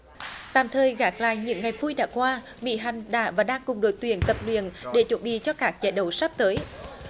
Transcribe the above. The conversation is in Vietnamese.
tạm thời gác lại những ngày vui đã qua mỹ hạnh đã và đang cùng đội tuyển tập luyện để chuẩn bị cho các giải đấu sắp tới